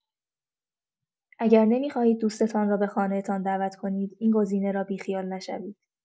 اگر نمی‌خواهید دوست‌تان را به خانه‌تان دعوت کنید، این گزینه را بی‌خیال نشوید.